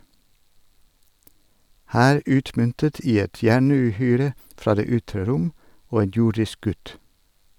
Her utmyntet i et jernuhyre fra det ytre rom og en jordisk gutt.